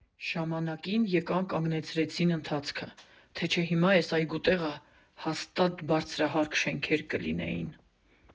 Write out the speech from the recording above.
Ժամանակին էկան կանգնացրեցին ընթացքը, թե չէ հիմա էս այգու տեղը հաստատ բարձրահարկ շենքներ կլինեին։